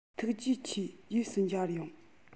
ཐུགས རྗེ ཆེ རྗེས སུ མཇལ ཡོང